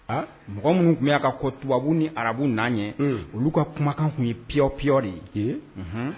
Mɔgɔ minnu tun y'a ka ko tubabubu ni arabu n' ye olu ka kumakan tun ye p p de ye